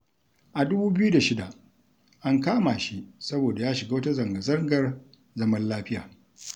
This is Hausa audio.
A 2006, an kama shi saboda ya shiga wata zanga-zangar zaman lafiya.